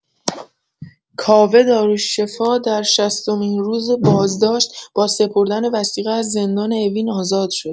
کاوه دارالشفا در شصتمین روز بازداشت، با سپردن وثیقه از زندان اوین آزاد شد